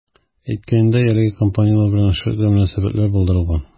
Әйткәндәй, әлеге компанияләр белән эшлекле мөнәсәбәтләр булдырылган.